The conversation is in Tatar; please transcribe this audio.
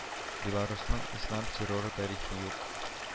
Беларусның ислам терроры тарихи юк